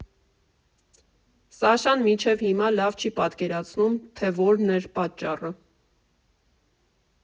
Սաշան մինչև հիմա լավ չի պատկերացնում, թե որն էր պատճառը.